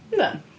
Yndan.